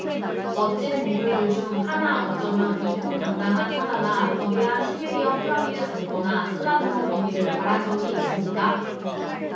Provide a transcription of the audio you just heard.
멋진 동물들 중 하나 어쩌면 위풍당당한 사자나 거대한 시베리아호랑이를 안거나 쓰다듬어 보기를 바란 적이 있습니까